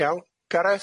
Iawn, Gareth?